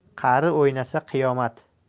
qari o'ynasa qiyomat